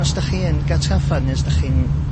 os da chi yn ga'l traffath neu os 'da chi'n